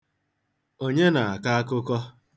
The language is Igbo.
Onye na-akọ akụkọ?